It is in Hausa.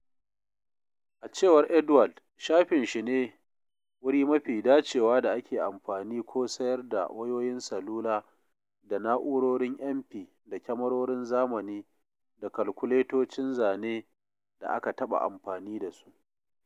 A cewar Edward, shafin "shi ne wuri mafi dacewa da ake amfani ko sayar da wayoyin salula da na'urorin mp da kyamarorin zamani da kalkuletocin zane da aka taɓa amfani da su.